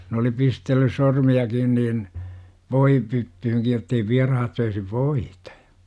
ne oli pistellyt sormiakin niin voipyttyynkin jotta ei vieraat söisi voita